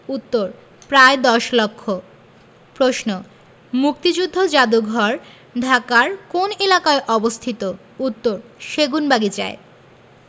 উত্তর প্রায় দশ লক্ষ প্রশ্ন মুক্তিযুদ্ধ যাদুঘর ঢাকার কোন এলাকায় অবস্থিত উত্তরঃ সেগুনবাগিচা